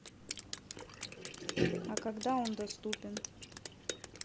а когда он доступен